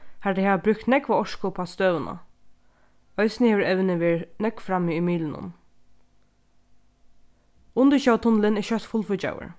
har tey hava brúkt nógva orku upp á støðuna eisini hevur evnið verið nógv frammi í miðlunum undirsjóvartunnilin er skjótt fullfíggjaður